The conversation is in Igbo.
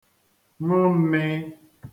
ṅụ mmịị